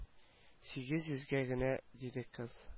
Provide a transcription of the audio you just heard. Сигез йөзгә генә диде кыз